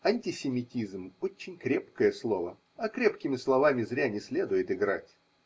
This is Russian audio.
Антисемитизм очень крепкое слово, а крепкими словами зря не следует играть.